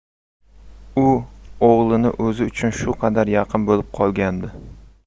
u o'g'lini o'zi uchun shu qadar yaqin bo'lib qolgandi